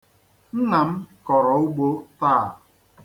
Nna m kọrọ ugbo taa.A